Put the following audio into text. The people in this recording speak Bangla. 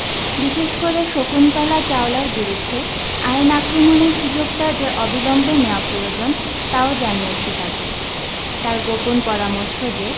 বিশেষ করে শকুন্তলা চাওলার বিরুদ্ধে আইন আক্রমণের সু্যোগটা যে অবিলম্বে নেওয়া প্রয়োজন তাও জানিয়েছি তাঁকে তার গোপন পরামর্শ যে